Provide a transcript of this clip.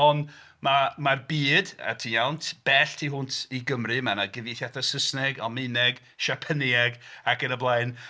Ond ma- mae'r byd a ti'n iawn, bell tu hwnt i Gymru, mae 'na gyfieithiadau Saesneg, Almaeneg, Siapanëg ac yn y blaen.